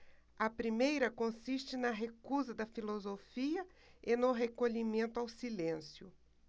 a primeira consiste na recusa da filosofia e no recolhimento ao silêncio